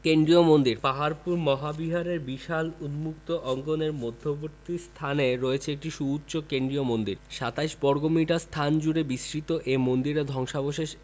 কেন্দ্রীয় মন্দিরঃ পাহাড়পুর মহাবিহারের বিশাল উন্মুক্ত অঙ্গনের মধ্যবর্তী স্থানে রয়েছে একটি সুউচ্চ কেন্দ্রীয় মন্দির ২৭ বর্গমিটার স্থান জুড়ে বিস্তৃত এ মন্দিরের ধ্বংসাবশেষ